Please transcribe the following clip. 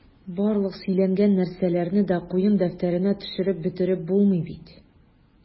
Барлык сөйләнгән нәрсәләрне дә куен дәфтәренә төшереп бетереп булмый бит...